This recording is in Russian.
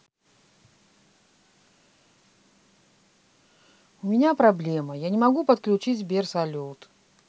у меня проблема я не могу подключить сбер салют